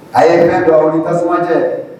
A' ye hinɛ don aw tasumajɛ